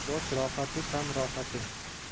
bosh rohati tan rohati